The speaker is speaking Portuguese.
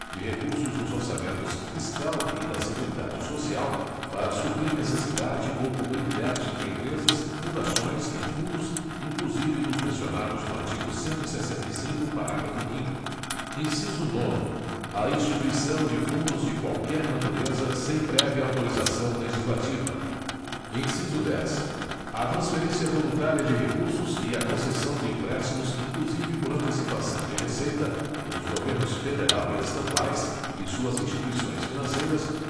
de recursos dos orçamentos fiscal e da seguridade social para suprir necessidade ou cobrir déficit de empresas fundações e fundos inclusive dos mencionados no artigo cento e sessenta e cinco parágrafo quinto inciso nono a instituição de fundos de qualquer natureza sem prévia autorização legislativa inciso dez a transferência voluntária de recursos e a concessão de empréstimos inclusive por antecipação de receita pelos governos federal e estaduais e suas instituições financeiras